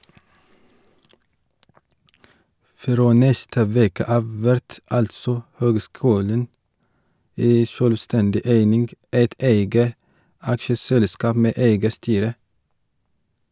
Frå neste veke av vert altså høgskulen ei sjølvstendig eining, eit eige aksjeselskap med eige styre.